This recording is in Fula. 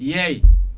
yeey